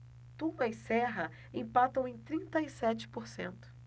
tuma e serra empatam em trinta e sete por cento